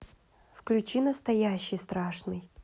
включи настоящий страшный